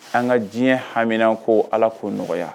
An ka diɲɛ haminan ko ala k'o nɔgɔya